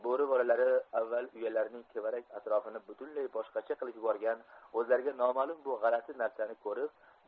bo'ri bolalari avval uyalarining tevarak atrofini butunlay boshqacha qilib yuborgan o'zlariga nomalum bu g'alati narsani ko'rib